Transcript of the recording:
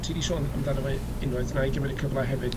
Ti 'di sôn amdano fe unwaith 'nai gymryd y cyfla hefyd